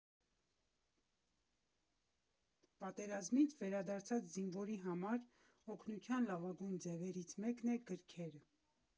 Պատերազմից վերադարձած զինվորի համար օգնության լավագույն ձևերից մեկը՝ գրքեր։